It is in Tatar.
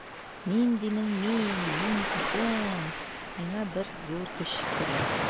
Мин димен мин, мин дисәм, миңа бер зур көч керә.